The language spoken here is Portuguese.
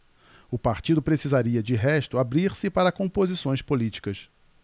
o partido precisaria de resto abrir-se para composições políticas